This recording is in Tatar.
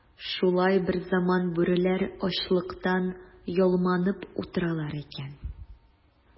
Шулай берзаман бүреләр ачлыктан ялманып утыралар икән.